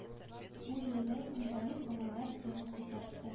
Бу юлы инвалид балалар темасы тартты